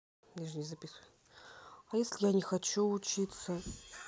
а если я не хочу учиться